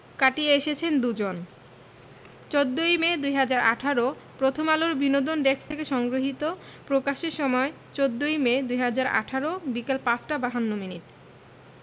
কাটিয়ে এসেছেন দুজন ১৪ই মে ২০১৮ প্রথমআলোর বিনোদন ডেস্ক থেকে সংগ্রহীত প্রকাশের সময় ১৪মে ২০১৮ বিকেল ৫টা ৫২ মিনিট